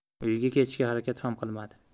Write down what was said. uyiga ketishga harakat ham qilmadi